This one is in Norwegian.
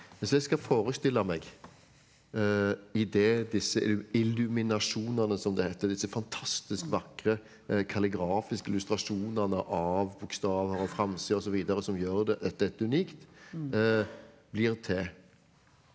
hvis jeg skal forestille meg i det disse illuminasjonene som det heter disse fantastisk vakre kalligrafiske illustrasjonene av bokstaver og framsida osv. som gjør det dette unikt blir til.